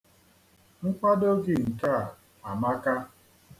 Nkwado gị nke a amaka.